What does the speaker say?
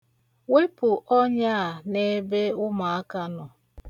Wepu ọnya a n'ebe ụmụaka nọ.